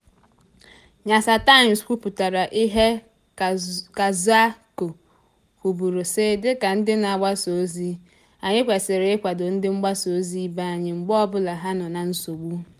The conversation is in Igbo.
Nyasatimes kwupụtara ihe Kazako kwuburu sị, "Dịka ndị na-agbasaozi, anyị kwesịrị ịkwado ndị mgbasaozi ibe anyị mgbe ọbụla ha nọ na nsogbu.